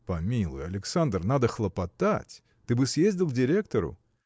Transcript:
– Помилуй, Александр, надо хлопотать. Ты бы съездил к директору.